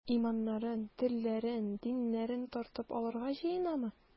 Иманнарын, телләрен, диннәрен тартып алырга җыенамы?